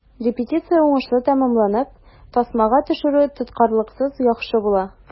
Репетиция уңышлы тәмамланып, тасмага төшерү тоткарлыксыз яхшы була.